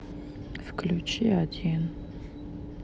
включи один